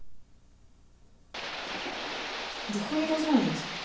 да хуй его знает